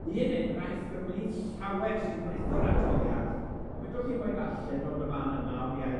Un enghraifft ymlith llawer sy'n britho'r adroddiad, a fedrwch chi'm o'i ddarllen o yn y fan yna, on' mi ai